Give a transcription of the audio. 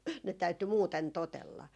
ne täytyi muuten totella